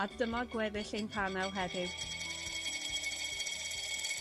A dyma gweddill ein panel heddiw.